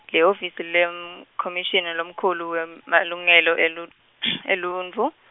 lihhovisi kem- khomishani lomkhulu wem- -malungelo elu- eluntfu.